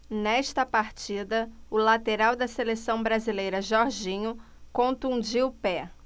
nesta partida o lateral da seleção brasileira jorginho contundiu o pé